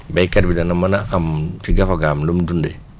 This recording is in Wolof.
béykat bi dana mën a am si gafagaam lu mu dundee